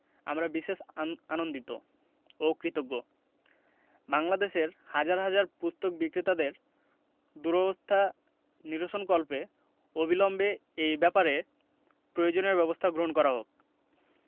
আমরা বিশেষ আনন্দিত ও কৃতজ্ঞ বাংলাদেশের হাজার হাজার পুস্তক বিক্রেতাদের দুরবস্থা নিরসনকল্পে অবিলম্বে এই ব্যাপারে প্রয়োজনীয় ব্যাবস্থা গ্রহণ করা হোক